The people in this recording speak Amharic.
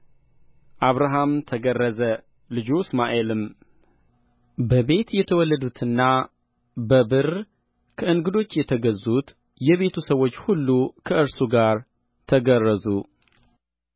አብርሃም ተገረዘ ልጁ እስማኤልም በቤት የተወለዱትና በብር ከእንግዶች የተገዙት የቤቱ ሰዎች ሁሉ ከእርሱ ጋር ተገረዙ